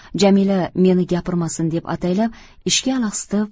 jamila meni gapirmasin deb ataylab ishga alahsitib